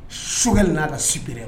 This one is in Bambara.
Sokɛkɛ n' aa ka sibi